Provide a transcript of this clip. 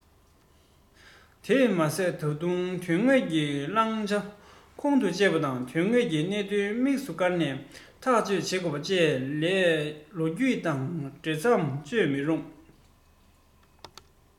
དེས མ ཚད ད དུང དོན དངོས ཀྱི བླང བྱ ཁོང དུ ཆུད པ དང དོན དངོས ཀྱི གནད དོན དམིགས སུ བཀར ནས ཐག གཅོད བྱེད དགོས པ ལས ལོ རྒྱུས དང འབྲེལ མཚམས གཅོད མི རུང